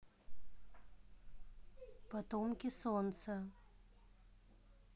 потомки солнца